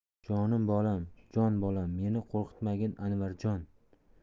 jonim bolam jon bolam meni qo'rqitmagin anvarjon